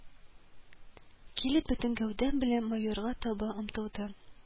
Килеп, бөтен гәүдәм белән майорга таба омтылдым